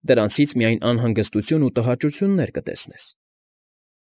Դրանցից միայն անհանգստություն ու տհաճություններ կտեսնես։